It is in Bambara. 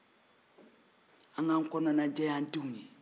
an k'an kɔnɔnajɛya an denw ye